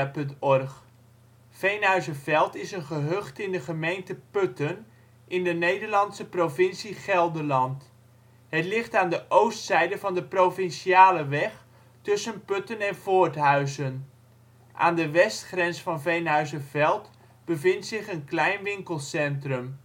OL Veenhuizerveld Plaats in Nederland Situering Provincie Gelderland Gemeente Putten Coördinaten 52° 13′ NB, 5° 37′ OL Portaal Nederland Beluister (info) Veenhuizerveld is een gehucht in de gemeente Putten, in de Nederlandse provincie Gelderland. Het ligt aan de oostzijde van de provinciale weg tussen Putten en Voorthuizen. Aan de westgrens van Veenhuizerveld bevindt zich een klein winkelcentrum